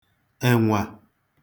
ènwà